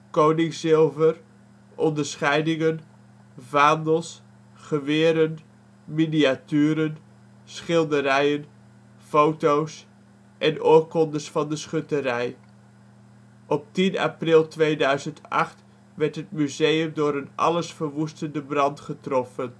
koningszilver, onderscheidingen, vaandels, geweren, miniaturen, schilderijen, foto 's en oorkondes van de Schutterij. Op 10 april 2008 werd het museum door een alles verwoestende brand getroffen